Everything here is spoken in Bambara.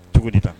Cogodi ta